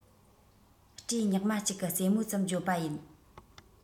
སྐྲའི ཉག མ གཅིག གི རྩེ མོ ཙམ བརྗོད པ ཡིན